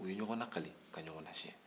u ye ɲɔgɔn lakali ka ɲɔgɔn lasiɲɛn